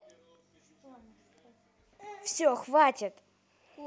все хватит